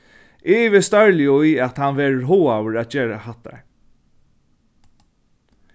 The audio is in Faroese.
eg ivist stórliga í at hann verður hugaður at gera hatta